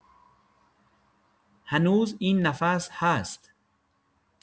هنوز این نفس هست.